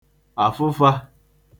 àfụfā